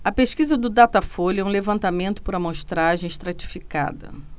a pesquisa do datafolha é um levantamento por amostragem estratificada